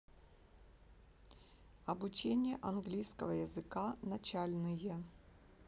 обучение английского языка начальные